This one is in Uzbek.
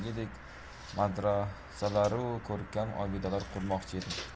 hirotdagidek madrasalaru ko'rkam obidalar qurmoqchi edim